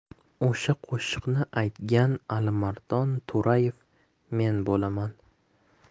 o'sha qo'shiqni aytgan alimardon to'rayev men bo'laman